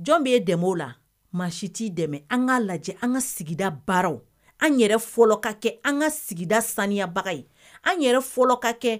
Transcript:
Jɔn bɛ ye dɛm'o la? Maa si t'i dɛmɛ, an ka lajɛ an ka sigida baaraw, an yɛrɛ fɔlɔ ka kɛ, an ka sigida saniyabaga ye, an yɛrɛ fɔlɔ ka kɛ